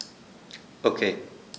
Okay.